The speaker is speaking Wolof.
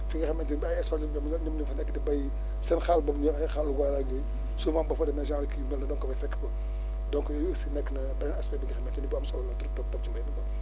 fi nga xamante ne bii ay espagnol ñoo ñoo ñoom ñoo fa nekk di béy seen xaal boobu ñuy wax ay xaalu goana ak yooyu souvent boo fa demee genre kii yu mel noonu da nga ko fay fekk quoi donc yooyu aussi nekk na beneen aspect bi nga xamante ne bu am solo la trop trop ci mbéy mi quoi